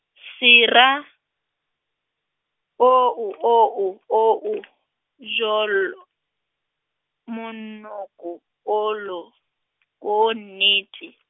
sera, o o, o o, o o, jolo-, monoko, o lo , o nnete.